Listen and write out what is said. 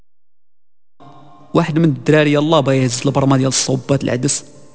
واحد من بدري الله بينزل